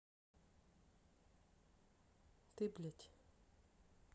ты блядь